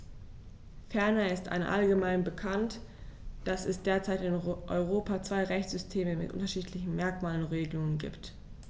Ferner ist allgemein bekannt, dass es derzeit in Europa zwei Rechtssysteme mit unterschiedlichen Merkmalen und Regelungen gibt.